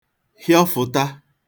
hịọfụ̀ta